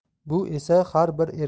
bu esa har bir